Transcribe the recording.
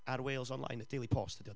Ar Wales Online, y Daily Post ydy o de,